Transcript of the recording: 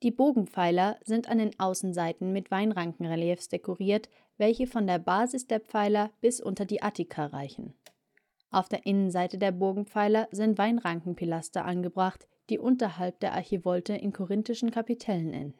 Bogenpfeiler sind an den Außenseiten mit Weinrankenreliefs dekoriert, welche von der Basis der Pfeiler bis unter die Attika reichen. Auf der Innenseite der Bogenpfeiler sind Weinrankenpilaster angebracht, die unterhalb der Archivolte in korinthischen Kapitellen